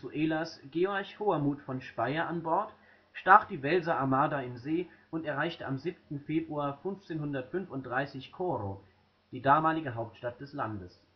Venezuelas Georg Hohermuth von Speyer an Bord stach die Welser-Armada in See und erreichte am 7. Februar 1535 Coro, die damalige Hauptstadt des Landes